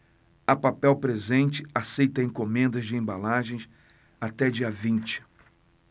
a papel presente aceita encomendas de embalagens até dia vinte